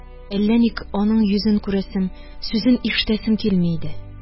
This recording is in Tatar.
Әллә ник аның йөзен күрәсем, сүзен ишетәсем килми иде